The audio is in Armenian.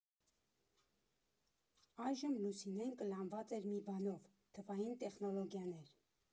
Այժմ Լուսինեն կլանված էր մի բանով՝ թվային տեխնոլոգիաներ։